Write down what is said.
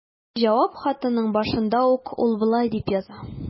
Җавап хатының башында ук ул болай дип яза.